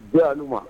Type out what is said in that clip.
Jɔn n'